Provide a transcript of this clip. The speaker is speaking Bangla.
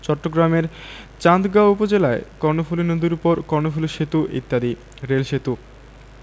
চট্টগ্রামের চান্দগাঁও উপজেলায় কর্ণফুলি নদীর উপর কর্ণফুলি সেতু ইত্যাদি রেল সেতুঃ